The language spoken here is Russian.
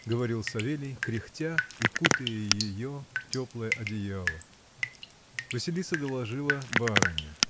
— говорил Савелий, кряхтя и кутая ее в теплое одеяло. Василиса доложила барыне.